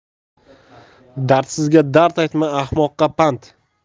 dardsizga dard aytma ahmoqqa pand